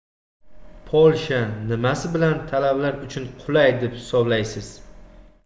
polsha nimasi bilan talabalar uchun qulay deb hisoblaysiz